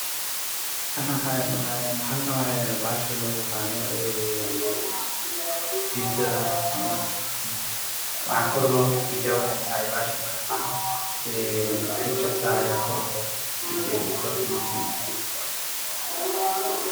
Waa pizza midabkiis yahay jaale oo saaran saxan